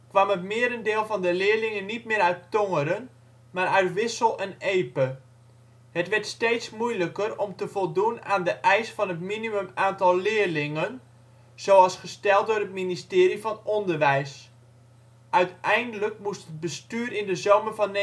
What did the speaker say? kwam het merendeel van de leerlingen niet meer uit Tongeren, maar uit Wissel en Epe. Het werd steeds moeilijker om te voldoen aan de eis van het minimum aantal leerlingen, zoals gesteld door het ministerie van onderwijs. Uiteindelijk moest het bestuur in de zomer van 1996